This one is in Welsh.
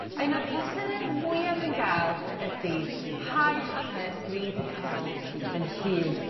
A un o'r plesere mwya dwi'n ga'l ydi hau hade dwi 'di hel 'yn hun.